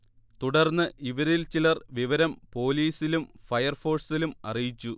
തുടർന്ന് ഇവരിൽ ചിലർ വിവരം പോലീസിലും ഫയർഫോഴ്സിലും അറിയിച്ചു